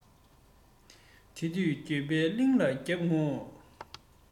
དེ དུས འགྱོད པའི གླིང ལ བརྒྱབ ཡོང ངོ